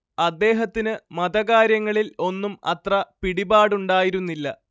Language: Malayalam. അദ്ദേഹത്തിന് മതകാര്യങ്ങളിൽ ഒന്നും അത്ര പിടിപാടുണ്ടായിരുന്നില്ല